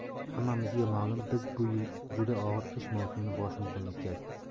hammamizga ma'lum biz bu yil juda og'ir qish mavsumini boshimizdan o'tkazdik